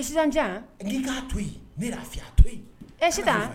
Toya to